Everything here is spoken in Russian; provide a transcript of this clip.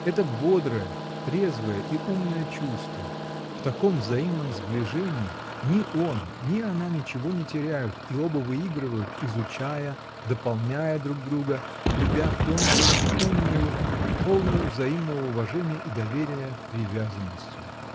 Это бодрое, трезвое и умное чувство: в таком взаимном сближении — ни он, ни она ничего не теряют и оба выигрывают, изучая, дополняя друг друга, любя тонкою, умною, полною взаимного уважения и доверия привязанностию.